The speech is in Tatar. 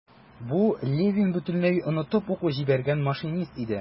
Бу - Левин бөтенләй онытып ук җибәргән машинист иде.